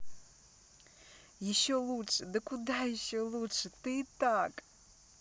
еще лучше да куда еще лучше ты и так